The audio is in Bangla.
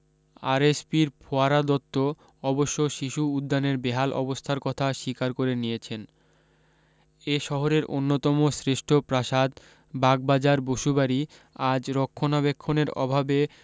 আরেসপির ফোয়ারা দত্ত অবশ্য শিশু উদ্যানের বেহাল অবস্থার কথা স্বীকার করে নিয়েছেন এ শহরের অন্যতম শ্রেষ্ঠ প্রাসাদ বাগবাজার বসুবাড়ি আজ রক্ষণাবেক্ষণের অভাবে